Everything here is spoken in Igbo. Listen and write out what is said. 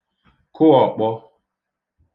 kụ ọ̀kpọ